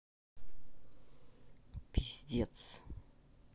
пиздец